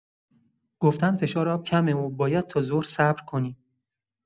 گفتن فشار آب کمه و باید تا ظهر صبر کنیم.